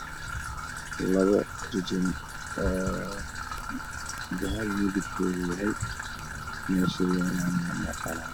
Labo jijin oo dahabi midabkoodu yahay meeahay yaallaana waa meel qalalan